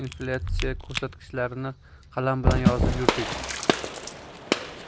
inflyatsiya ko'rsatkichlarini qalam bilan yozib yurdik